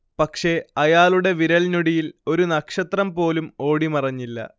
പക്ഷേ, അയാളുടെ വിരൽഞൊടിയിൽ ഒരു നക്ഷത്രംപോലും ഓടിമറഞ്ഞില്ല